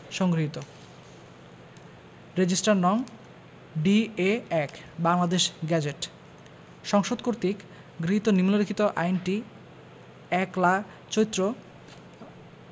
সংগৃহীত রেজিস্টার্ড নং D A ১ Bangladesh gazette সংসদ কর্তৃক গৃহীত নিম্নলিখিত আইনটি ১লা চৈত্র